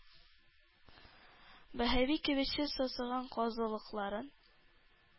Баһави кибетче сасыган казылыкларын